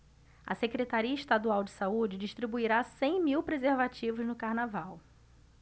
a secretaria estadual de saúde distribuirá cem mil preservativos no carnaval